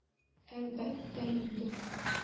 Әлбәттә инде!